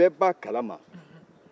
dɔnki bɛɛ b'a kalama